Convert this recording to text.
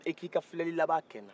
e k'i ka filɛli laban kɛ n na